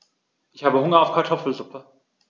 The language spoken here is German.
Ich habe Hunger auf Kartoffelsuppe.